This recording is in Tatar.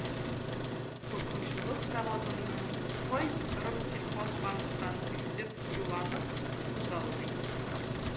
Токымчылык заводыннан кай россельхозбанк тан кредит юланык күзаллый